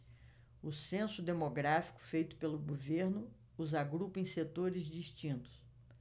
o censo demográfico feito pelo governo os agrupa em setores distintos